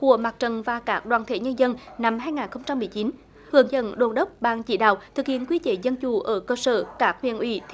của mặt trận và các đoàn thể nhân dân năm hai nghìn không trăm mười chín hướng dẫn đôn đốc ban chỉ đạo thực hiện quy chế dân chủ ở cơ sở các huyện ủy thị